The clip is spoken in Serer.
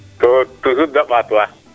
to toujours de mbaat waa